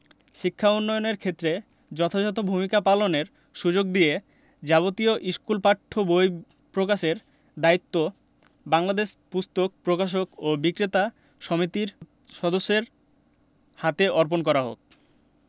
শিক্ষা উন্নয়নের ক্ষেত্রে যথাযথ ভূমিকা পালনের সুযোগ দিয়ে যাবতীয় স্কুল পাঠ্য বই প্রকাশের দায়িত্ব বাংলাদেশ পুস্তক প্রকাশক ও বিক্রেতা সমিতির সদস্যদের হাতে অর্পণ করা হোক